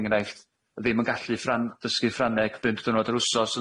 enghraifft ddim yn gallu ffran- dysgu Ffrangeg bump diwrnod yr wsos